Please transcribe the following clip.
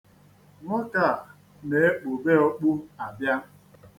Nwoke a na-ekpube okpu abịa.